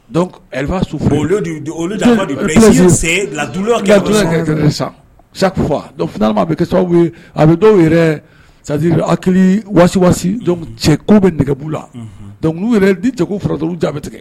Don la sisan sakufa bɛ a bɛ dɔw yɛrɛdi a cɛ ko bɛ nɛgɛbu la dɔnku ko fara jaabi bɛ tigɛ